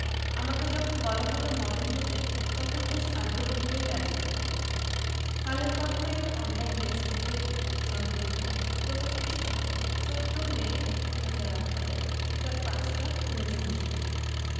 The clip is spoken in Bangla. আমাকে যখন বলা হলো মডেল হতে তখন বেশ আগ্রহ নিয়েই রাজি হই কালের কণ্ঠ এর অনলাইনে ডেস্ক হতে সংগৃহীত প্রকাশের সময় ১৪মে ২০১৮ বিকেল ৫টা ৩৯ মিনিট